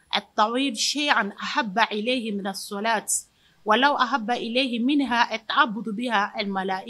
A ta se ahaba e ye minɛsola wala haba e ye min'bubi ela